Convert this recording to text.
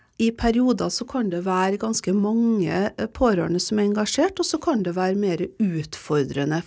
i perioder så kan det være ganske mange pårørende som er engasjert og så kan det være mere utfordrende.